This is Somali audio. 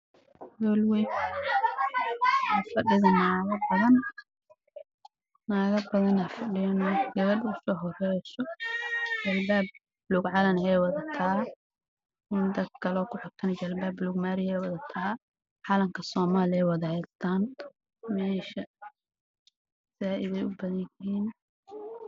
Waa hool weyn waxaa fadhiya naago badan